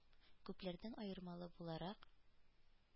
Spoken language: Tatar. Күпләрдән аермалы буларак,